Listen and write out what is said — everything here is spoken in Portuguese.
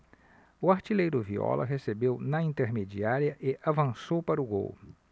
o artilheiro viola recebeu na intermediária e avançou para o gol